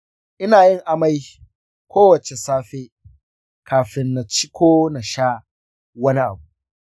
ina yin amai kowace safe kafin na ci ko na sha wani abu.